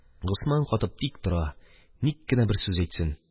Госман катып тик тора, ник кенә бер сүз әйтсен.